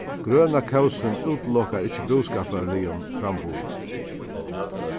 grøna kósin útilokar ikki búskaparligum framburði